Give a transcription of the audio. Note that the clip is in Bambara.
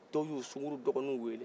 dɔ ye u sunkuruw dɔgɔninw weele